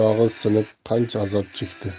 oyog'i sinib qancha azob chekdi